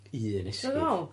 Un esgid.